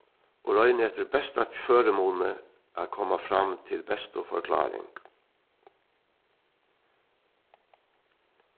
og royni eftir besta førimuni at koma fram til bestu forkláring